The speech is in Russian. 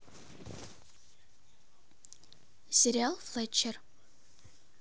сериал флетчер